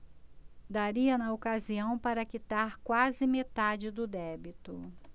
daria na ocasião para quitar quase metade do débito